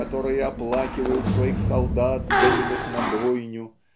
которые оплакивают своих солдат гонимых на бойню